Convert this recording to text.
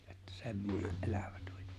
että semmoinen elävä tuli